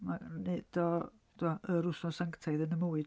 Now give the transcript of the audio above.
Mae'n wneud o tibod yr wsnos sanctaidd yn fy mywyd.